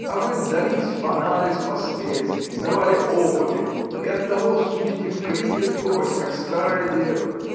А вы вдались в анализ последствий, миновали опыты — и оттого судите вкривь и вкось, как старая дева.